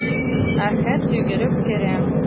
Әхәт йөгереп керә.